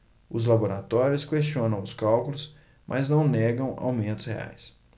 os laboratórios questionam os cálculos mas não negam aumentos reais